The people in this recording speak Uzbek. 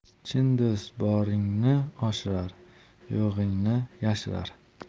chin do'st boringni oshirar yo'g'ingni yashirar